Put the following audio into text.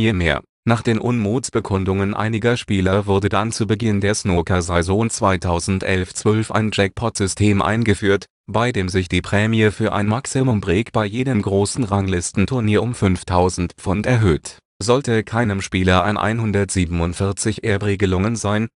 mehr. Nach den Unmutsbekundungen einiger Spieler wurde dann zu Beginn der Snookersaison 2011/12 ein Jackpot-System eingeführt, bei dem sich die Prämie für ein Maximum Break bei jedem großen Ranglisten-Turnier um 5.000 £ erhöht, sollte keinem Spieler ein 147er-Break gelungen sein